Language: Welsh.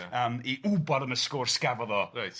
...yym i w'bod am y sgwrs gafodd o... Reit